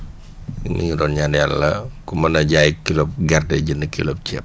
ñu ngi doon ñaan yàlla ku mën a jaay kilo gerte jënd kilo ceeb